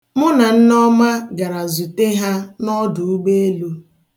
Mụ na Nneọma gara zute ha n'ọdụụgbọelu.